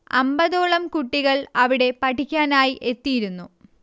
അമ്പതോളം കുട്ടികൾ അവിടെ പഠിക്കാനായി എത്തിയിരുന്നു